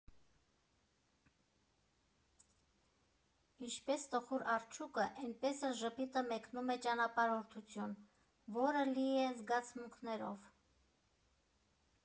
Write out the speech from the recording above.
Ինչպես տխուր արջուկը, էնպես էլ ժպիտը մեկնում է ճանապարհորդության, որը լի է զգացմունքներով։